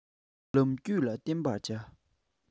ལམ རྒྱུད ལ བརྟེན པར བྱ